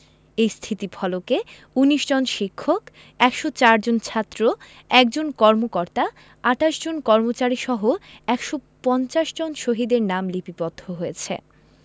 এই স্থিতিফলকে ১৯ জন শিক্ষক ১০৪ জন ছাত্র ১ জন কর্মকর্তা ২৮ জন কর্মচারীসহ ১৫০ জন শহীদের নাম লিপিবদ্ধ হয়েছে